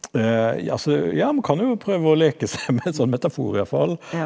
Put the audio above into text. ja altså ja man kan jo prøve å leke seg med en sånn metafor iallfall.